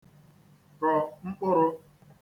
kọ mkpụ̄rụ̄